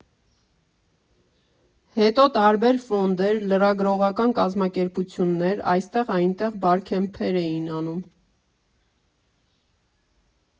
Հետո տարբեր ֆոնդեր, լրագրողական կազմակերպություններ այստեղ֊այնտեղ Բարքեմփեր էին անում։